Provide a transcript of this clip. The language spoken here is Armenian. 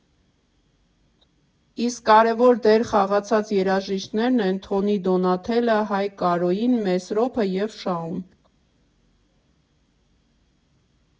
Իսկ կարևոր դեր խաղացած երաժիշտներն են Թոնի Դոնաթելը, Հայկ Կարոյին, Մեսրոպը և Շաուն։